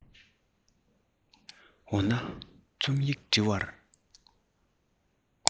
འོ ན རྩོམ ཡིག འབྲི བར